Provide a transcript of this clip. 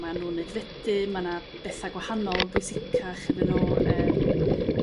ma'n nhw'n aeddfedu ma' 'na betha' gwahanol yn bwysicach iddyn nhw yrm.